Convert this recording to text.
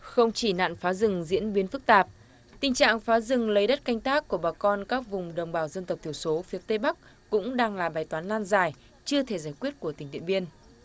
không chỉ nạn phá rừng diễn biến phức tạp tình trạng phá rừng lấy đất canh tác của bà con các vùng đồng bào dân tộc thiểu số phía tây bắc cũng đang là bài toán nan giải chưa thể giải quyết của tỉnh điện biên